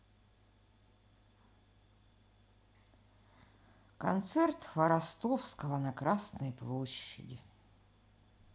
концерт хворостовского на красной площади